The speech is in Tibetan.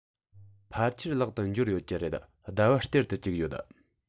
ཕལ ཆེར ལག ཏུ འབྱོར ཡོད ཀྱི རེད ཟླ བར སྟེར དུ བཅུག ཡོད